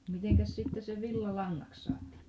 mitenkäs sitten se villa langaksi saatiin